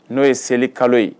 N'o ye seli kalo ye